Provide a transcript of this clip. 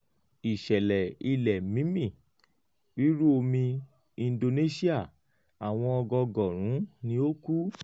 ìṣẹlẹ ilẹ mimi riru omi Indonesia: awọn ogogorun ni o ku